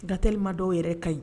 Nga tellement dɔw yɛrɛ kaɲi